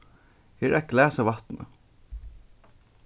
her er eitt glas av vatni